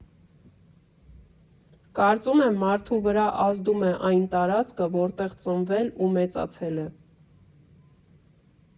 Կարծում եմ, որ մարդու վրա ազդում է այն տարածքը, որտեղ ծնվել ու մեծացել է։